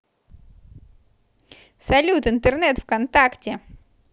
салют интернет вконтакте